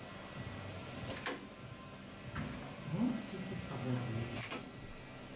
мультики погоди